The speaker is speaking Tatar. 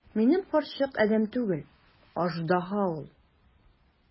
Минем карчык адәм түгел, аждаһа ул!